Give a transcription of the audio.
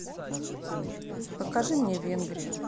покажи мне венгрию